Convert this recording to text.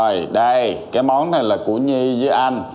rồi đây cái món này là của nhi với anh